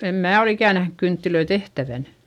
en minä ole ikään nähnyt kynttilöitä tehtävän